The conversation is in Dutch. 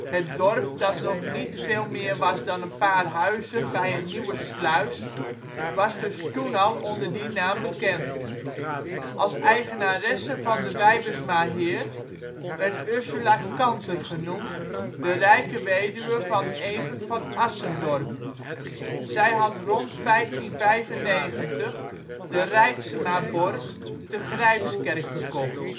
Het dorp dat nog niet veel meer was dan een paar huizen bij een nieuwe sluis, was dus toen al onder die naam bekend. Als eigenaresse van de wybesmaheerd werd Ursula Canter genoemd, de rijke weduwe van Evert van Asschendorp. Zij had rond 1595 de Reitsemaborg te Grijpskerk gekocht